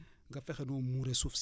nga fexe noo muuree suuf si